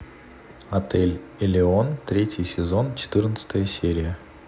отель элеон третий сезон четырнадцатая серия